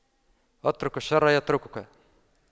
اترك الشر يتركك